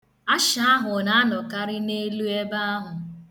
Asha ahụ na-anọkarị n' elu ebe ahụ.